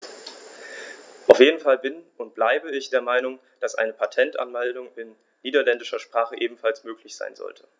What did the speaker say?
Auf jeden Fall bin - und bleibe - ich der Meinung, dass eine Patentanmeldung in niederländischer Sprache ebenfalls möglich sein sollte.